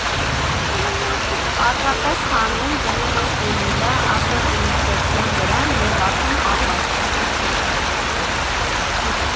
Պարզապես հանում, դնում ես վինիլը, ասեղը իջեցնում վրան և արդեն պատրաստ է։